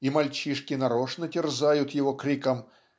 и мальчишки нарочно терзают его криком